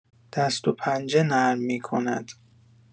دست‌وپنجه نرم می‌کند.